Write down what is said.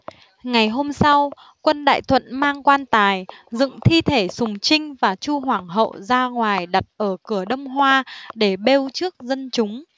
ngày hôm sau quân đại thuận mang quan tài dựng thi thể sùng trinh và chu hoàng hậu ra ngoài đặt ở cửa đông hoa để bêu trước dân chúng